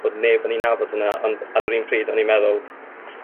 bod neb oni'n nabod yna ond ar yr un pryd oni'n meddwl